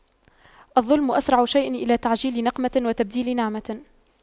الظلم أسرع شيء إلى تعجيل نقمة وتبديل نعمة